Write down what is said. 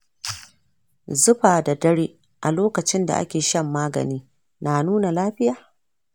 zufa da dare a lokacin da ake shan magani na nuna lafiya?